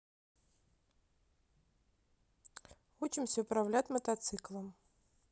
учимся управлять мотоциклом